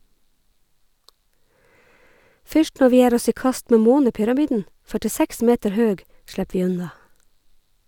Fyrst når vi gjer oss i kast med månepyramiden, 46 meter høg, slepp vi unna.